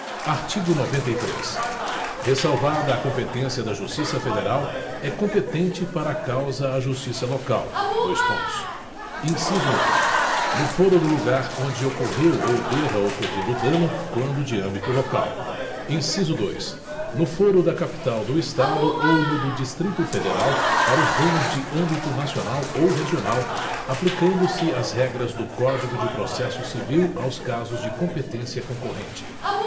artigo noventa e três ressalvada a competência da justiça federal é competente para a causa a justiça local dois pontos inciso um no foro do lugar onde ocorreu ou deva ocorrer o dano quando de âmbito local inciso dois no foro da capital do estado ou no do distrito federal para os danos de âmbito nacional ou regional aplicando se as regras do código de processo civil aos casos de competência concorrente